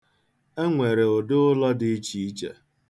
E nwere ụdị ụlọ dị iche iche.